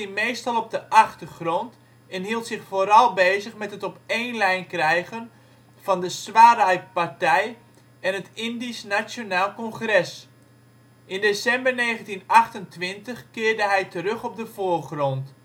meestal op de achtergrond en hield zich vooral bezig met het op één lijn krijgen van de Swaraj Partij en het Indisch Nationaal Congres. In december 1928 keerde hij terug op de voorgrond